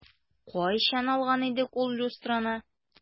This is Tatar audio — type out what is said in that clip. Кайчан алган идек ул люстраны?